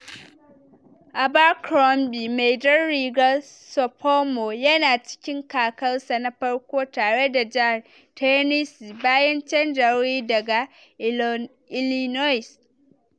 Abercrombie, mai jar rigar sophomore, yana cikin kakar sa na farko tare da Jaha Tennessee bayan canja wuri daga Illinois.